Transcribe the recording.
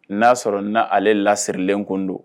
Na sɔrɔ na ale lasirilen kun don.